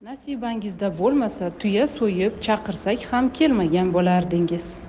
nasibangizda bo'lmasa tuya so'yib chaqirsak ham kelmagan bo'lardingiz